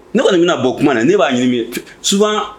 Ne kɔni bɛna bɔ kuma na ne b'a ɲini mi souvent